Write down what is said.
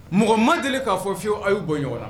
Mɔgɔ ma deli k'a fɔ f fiye a y'u bɔ ɲɔgɔn la